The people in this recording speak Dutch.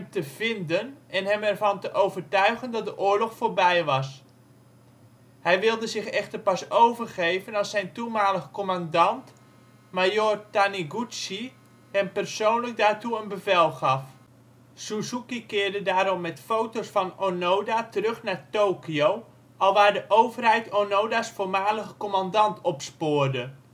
te vinden en hem ervan te overtuigen dat de oorlog voorbij was. Hij wilde zich echter pas overgeven als zijn toenmalig commandant, majoor Taniguchi, hem persoonlijk daartoe een bevel gaf. Suzuki keerde daarom met foto 's van Onoda terug naar Tokio, alwaar de overheid Onoda 's voormalige commandant opspoorde